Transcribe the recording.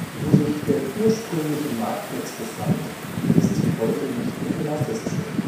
Wo sich der ursprüngliche Marktplatz befand, lässt sich heute nicht mehr genau feststellen